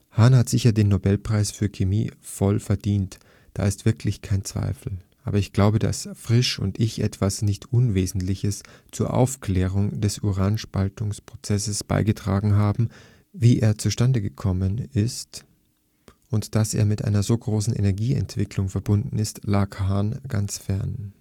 Hahn hat sicher den Nobelpreis für Chemie voll verdient, da ist wirklich kein Zweifel. Aber ich glaube, dass Frisch und ich etwas nicht Unwesentliches zur Aufklärung des Uranspaltungsprozesses beigetragen haben – wie er zustande kommt und dass er mit einer so großen Energieentwicklung verbunden ist, lag Hahn ganz fern